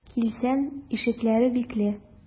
Килсәм, ишекләре бикле.